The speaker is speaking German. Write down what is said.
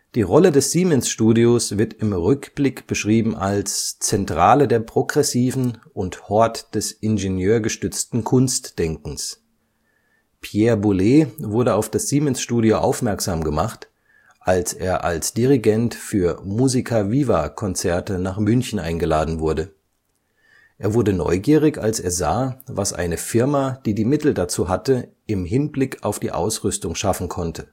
Die Rolle des Siemens-Studios wird im Rückblick beschrieben als „ Zentrale der Progressiven und Hort des ingenieurgestützten Kunstdenkens. “Pierre Boulez wurde auf das Siemens-Studio aufmerksam gemacht, als er als Dirigent für Musica Viva-Konzerte nach München eingeladen wurde: Er wurde neugierig, als er sah, „ was eine Firma, die die Mittel dazu hatte, im Hinblick auf die Ausrüstung schaffen konnte